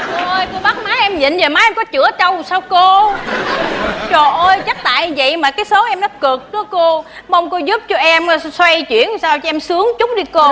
cô ơi cô bắt má em nhịn giờ má em có chửa trâu làm sao cô trời ơi chắc tại vậy mà số em nó cực đó cô mong cô giúp cho em xoay chuyển sao cho em sướng chút đi cô